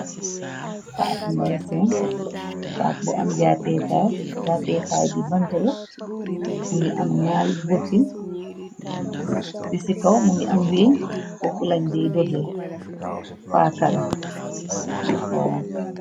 Taat ngay seen, taak bu am jaapeetaay. Bant la, mu ngi am bi ci kaw mu ngi am weeñ foofu lañ dee dogee, paa kala wala.